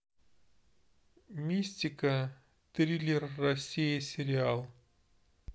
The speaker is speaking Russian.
мистика триллер россия сериал